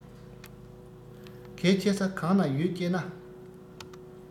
གལ ཆེ ས གང ན ཡོད ཅེ ན